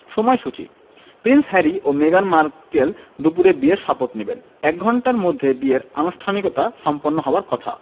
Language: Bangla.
সময়সূচি প্রিন্স হ্যারি ও মেগান মার্কেল দুপুরে বিয়ের শপথ নেবেন এক ঘণ্টার মধ্যে বিয়ের আনুষ্ঠানিকতা সম্পন্ন হওয়ার কথা